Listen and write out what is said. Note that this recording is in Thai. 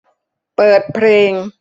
เปิดเพลง